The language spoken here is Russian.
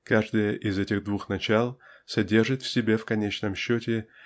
каждое из этих двух начал содержит в себе в конечном счете